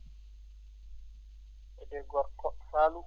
wiyete gorko Saloum